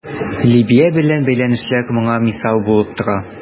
Либия белән бәйләнешләр моңа мисал булып тора.